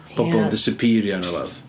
Pobl yn disapîrio neu rywbath.